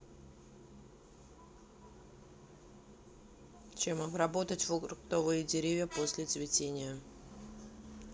чем обработать фруктовые деревья после цветения